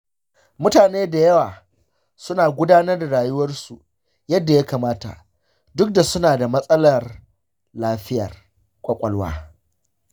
mutane da yawa suna gudanar da rayuwarsu yadda ya kamata duk da su na da matsalar lafiyar kwakwalwa.